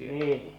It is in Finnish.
niin